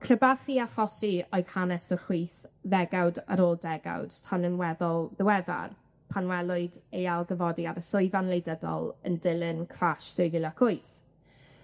Crybathu a chosi oedd hanes y chwith ddegawd ar ôl degawd tan yn weddol ddiweddar, pan welwyd ei ailgyfodi ar y llwyfan wleudyddol yn dilyn crash dwy fil ac wyth